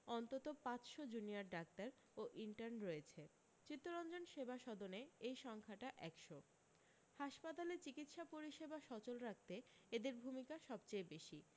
অন্তত পাঁচশ junior doctor ও ইনটার্ন রয়েছে চিত্তরঞ্জন সেবাসদনে এই সংখ্যাটা একশ হাসপাতালে চিকিৎসা পরিষেবা সচল রাখতে এদের ভূমিকা সবচেয়ে বেশী